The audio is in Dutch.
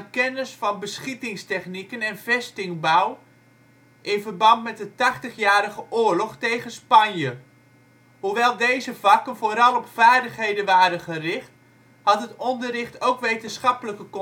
kennis van beschietingstechnieken en vestingbouw in verband met de Tachtigjarige Oorlog tegen Spanje [bron?]. Hoewel deze vakken vooral op vaardigheden waren gericht had het onderricht ook wetenschappelijke consequenties